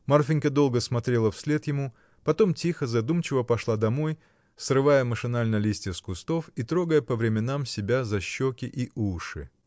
Марфинька долго смотрела вслед ему, потом тихо, задумчиво пошла домой, срывая машинально листья с кустов и трогая по временам себя за щеки и уши.